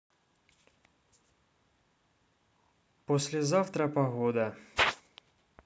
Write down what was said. послезавтра погода